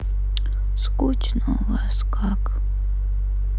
скучно у вас как